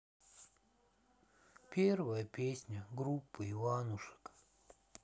первая песня группы иванушек